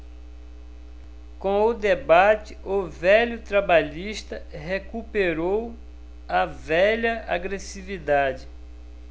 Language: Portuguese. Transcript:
com o debate o velho trabalhista recuperou a velha agressividade